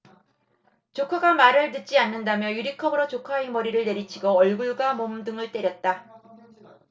조카가 말을 듣지 않는다며 유리컵으로 조카의 머리를 내리치고 얼굴과 몸 등을 때렸다